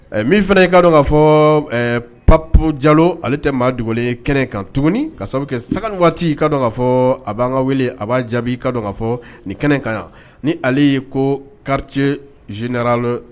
Ɛɛ min fɛnɛ ye i ka dɔn ka fɔɔ ɛɛ Pape Diallo ale tɛ maa dogolen ye kɛnɛ kan tuguni ka sabu kɛ saŋa ni waati i ka dɔn ka fɔɔ a b'an ka wele a b'a jaabi i ka dɔn ka fɔɔ nin kɛnɛ kan yan ni ale ye ko quartier général